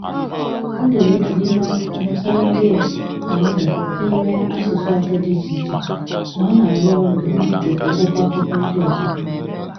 O dere otu n'ime akụkọ gbasara ndị ya na nwata n'ime asụsụ 3 dị ịche ịche, ma ọ na-arụ ọrụ ibipụtakwu akwụkwọ akụkọ ndị ọzọ.